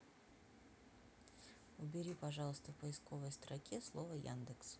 убери пожалуйста в поисковой строке слово яндекс